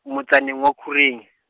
motsaneng wa Khoreng.